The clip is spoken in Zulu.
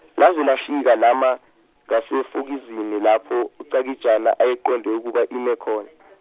laze lafika lama, ngasefokizini lapho uChakijana ayeqonde ukuba ime khona .